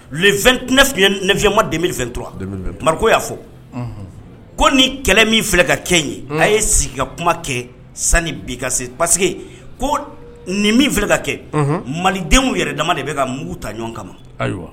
Fima den fɛntura ko y'a fɔ ko ni kɛlɛ min filɛ ka kɛ ye a ye sigi ka kuma kɛ sanini bi ka se parce ko nin min filɛ ka kɛ malidenw yɛrɛ dama de bɛ ka mugu ta ɲɔgɔn kama